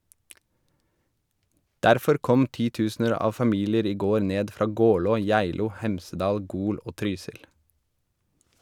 Derfor kom titusener av familier i går ned fra Gålå, Geilo, Hemsedal, Gol og Trysil.